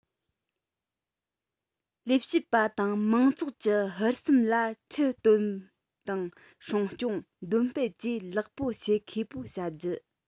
ལས བྱེད པ དང མང ཚོགས ཀྱི ཧུར སེམས ལ ཁྲིད སྟོན དང སྲུང སྐྱོང འདོན སྤེལ བཅས ལེགས པོ བྱེད མཁས པོ བྱ རྒྱུ